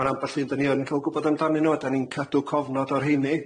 Ma' 'na ambell un 'dyn ni yn ca'l gwbod amdanyn nhw a 'dan ni'n cadw cofnod o'r rheini.